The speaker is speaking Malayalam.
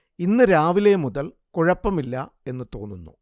ഇന്ന് രാവിലെ മുതൽ കുഴപ്പമില്ല എന്ന് തോന്നുന്നു